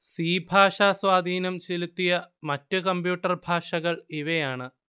C ഭാഷ സ്വാധീനം ചെലുത്തിയ മറ്റു കമ്പ്യൂട്ടർ ഭാഷകൾ ഇവയാണ്